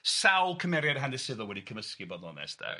sawl cymeriad hanesyddol wedi cymysgu, bod yn onest de. Reit.